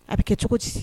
A bɛ kɛ cogo di?